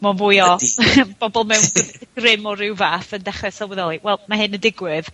Mae'n fwy o... Ydi. bobol mewn... ...grym o ryw fath yn dechre sylweddoli, wel, ma' hyn yn digwydd.